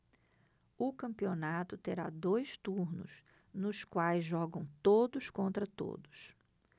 o campeonato terá dois turnos nos quais jogam todos contra todos